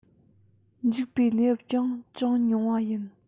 འཇིག པའི གནས བབ ཀྱང ཅུང ཉུང བ ཡིན